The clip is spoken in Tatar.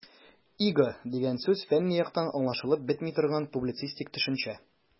"иго" дигән сүз фәнни яктан аңлашылып бетми торган, публицистик төшенчә.